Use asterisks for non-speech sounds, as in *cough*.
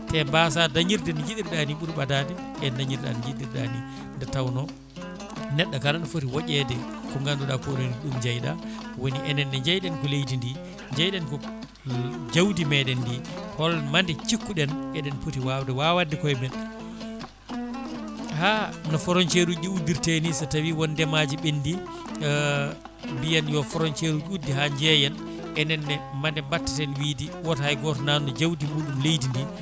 te mbasa dañirde no jiɗirɗa ni ɓuuri mbadade dañirɗa no jiɗirɗa ni nde tawno neɗɗo kala ne footi wooƴede ko ganduɗa koone ko ɗum jeyɗa woni enenne jeyɗen ko leydi ndi jeyɗen ko *hesitation* jawdi meɗen ndi hol mande cikkuɗen eɗen pooti wawde wawande koyemen ha no frontiére uji ɗi uddirte ni so tawi won ndeemaji ɓendi *hesitation* mbiyen yo frontiére o udde ha jeeyen enenne mande battaten wiide woto hay goto nannu jaawdi muɗum leydi ndi